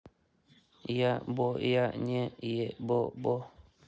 я бо я не ебобо